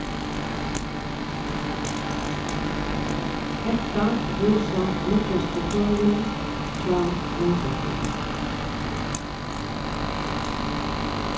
hetta vísa nýggjastu tølini hjá landslæknanum